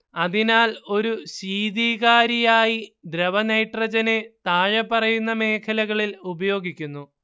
അതിനാൽ ഒരു ശീതീകാരിയായി ദ്രവനൈട്രജനെ താഴെപ്പറയുന്ന മേഖലകളിൽ ഉപയോഗിക്കുന്നു